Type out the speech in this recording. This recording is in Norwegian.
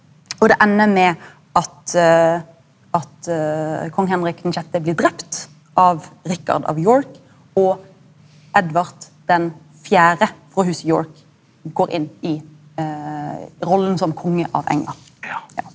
og det endar med at at kong Henrik den sjette blir drepen av Rikard av York og Edvard den fjerde frå huset York går inn i rolla som konge av England ja.